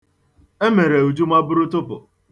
E mere Uju maburutụpụ.